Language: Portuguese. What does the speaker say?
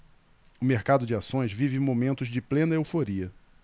o mercado de ações vive momentos de plena euforia